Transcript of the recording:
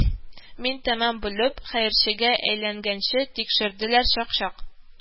Мин тәмам бөлеп, хәерчегә әйләнгәнче тикшерделәр, чак-чак